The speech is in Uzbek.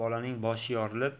bolaning boshi yorilib